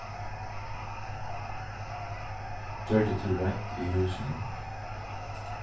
gjørdi tú reint í húsunum